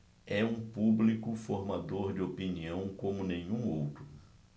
é um público formador de opinião como nenhum outro